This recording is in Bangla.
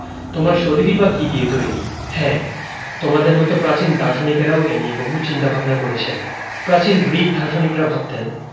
তোমার শরীরই বা কী দিয়ে তৈরি হ্যাঁ তোমাদের মতো প্রাচীন দার্শনিকেরাও এ নিয়ে বহু চিন্তা ভাবনা করেছেন প্রাচীন গ্রিক দার্শনিকেরা ভাবতেন